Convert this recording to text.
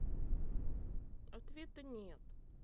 ответа нет